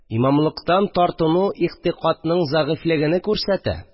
Имамлыктан тартыну игътикадның зәгыйфьлегене күрсәтә